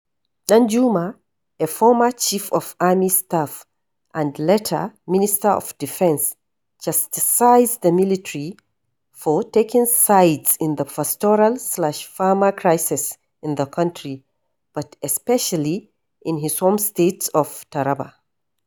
Danjuma, a former chief of army staff and later minister of defense, chastised the military for taking sides in the pastoral/farmer crisis in the country, but especially in his home state of Taraba.